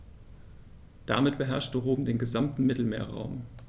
Damit beherrschte Rom den gesamten Mittelmeerraum.